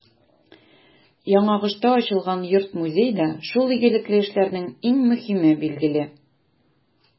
Яңагошта ачылган йорт-музей да шул игелекле эшләрнең иң мөһиме, билгеле.